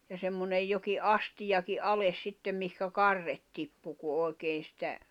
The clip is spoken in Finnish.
ja semmoinen jokin astiakin alas sitten mihin karret tippui kun oikein sitä